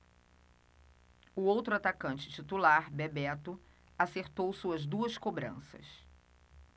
o outro atacante titular bebeto acertou suas duas cobranças